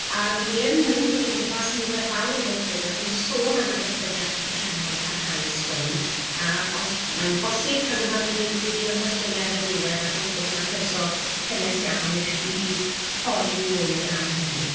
a dwi yn mynd o gwmpas nifer fawr o weithleoedd yn sôn am y datblygiad proffesiynol parhaus hwn, a os mae'n bosib, taw dyna fydd fydd un o'r cwestiynau ar y diwedd, ac wrth gwrs mae croeso cynnes iawn i chi i holi mwy am hynny.